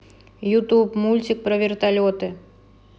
ютуб мультик про вертолеты